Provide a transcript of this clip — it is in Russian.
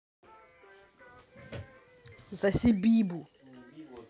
соси бибу